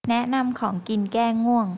แนะนำของกินแก้ง่วง